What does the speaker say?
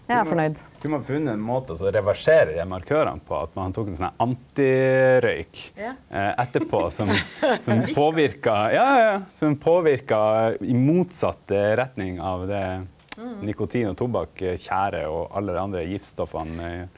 kunne ein funne ein måte og så reversere dei her markørane på at ein tok ein sånn her anti-røyk etterpå som som påverka ja ja ja som påverka i motsett retning av det nikotinet og tobakk, tjære og alle dei andre giftstoffa ?